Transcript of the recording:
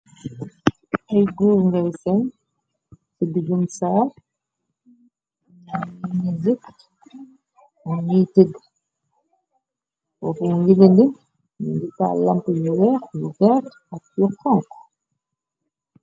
Ay goor nga seen ci diggum saar ña mini gëkk. Mu ngiy tëgg waxu ngigandi ndi tallamp yu weex yu verte ak yu xonk.